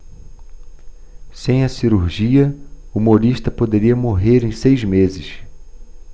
sem a cirurgia humorista poderia morrer em seis meses